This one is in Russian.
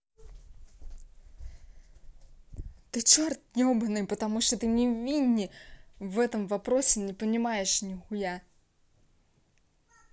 ты черт ебаный потому что ты не вини в этом вопросе не понимаешь нихуя